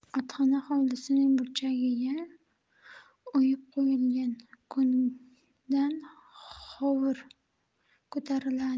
otxona hovlisining burchagiga uyib qo'yilgan go'ngdan hovur ko'tariladi